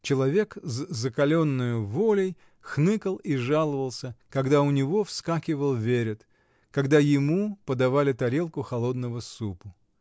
человек с закаленною волей -- хныкал и жаловался, когда у него вскакивал веред, когда ему подавали тарелку холодного супу.